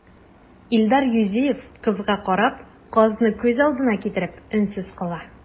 Илдар Юзеев, кызга карап, казны күз алдына китереп, өнсез кала.